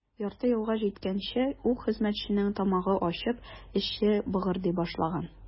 Ярты юлга җиткәнче үк хезмәтченең тамагы ачып, эче быгырдый башлаган.